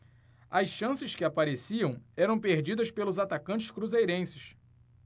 as chances que apareciam eram perdidas pelos atacantes cruzeirenses